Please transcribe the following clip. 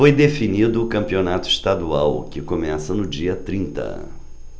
foi definido o campeonato estadual que começa no dia trinta